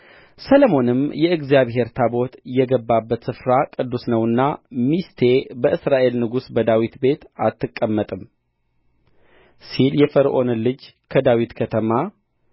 ሰሎሞንም የእግዚአብሔር ታቦት የገባበት ስፍራ ቅዱስ ነውና ሚስቴ በእስራኤል ንጉሥ በዳዊት ቤት አትቀመጥም ሲል የፈርዖንን ልጅ ከዳዊት ከተማ